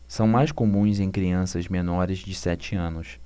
são mais comuns em crianças menores de sete anos